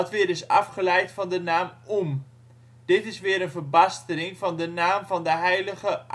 weer is afgeleid van de naam Oem. Dit is weer een verbastering van de naam van de heilige